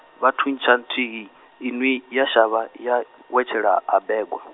vha thuntsha nthihi, inwi ya shavha, ya, wetshela Ha Begwa.